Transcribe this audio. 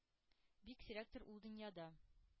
Бик сирәктер ул дөньяда.